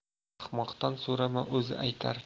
ahmoqdan so'rama o'zi aytar